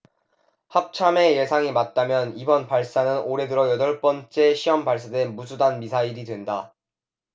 합참의 예상이 맞다면 이번 발사는 올해 들어 여덟 번째 시험발사된 무수단 미사일이 된다